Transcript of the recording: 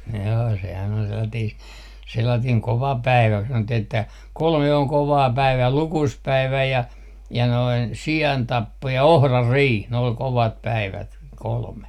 joo sehän oli sellainen sellainen kova päivä kun sanottiin että kolme on kovaa päivää lukuspäivä ja ja noin siantappo ja ohranriihi ne oli kovat päivät kolme